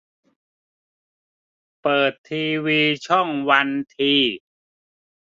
เปิดทีวีช่องวันที